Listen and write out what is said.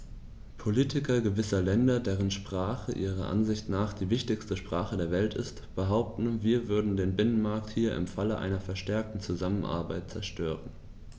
Politiker gewisser Länder, deren Sprache ihrer Ansicht nach die wichtigste Sprache der Welt ist, behaupten, wir würden den Binnenmarkt hier im Falle einer verstärkten Zusammenarbeit zerstören.